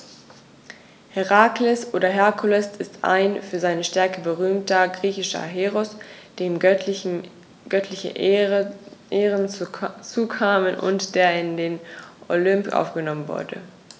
Herakles oder Herkules ist ein für seine Stärke berühmter griechischer Heros, dem göttliche Ehren zukamen und der in den Olymp aufgenommen wurde.